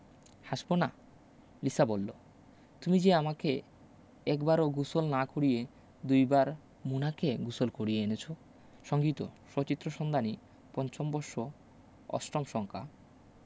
হাসবোনা লিসা বললো তুমি যে আমাকে একবারও গুসল না করিয়ে দুবার মোনাকে গুসল করিয়ে এনেছো সচিত্র সন্ধানী ৫ম বর্ষ ৮ম সংখ্যা